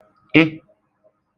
ị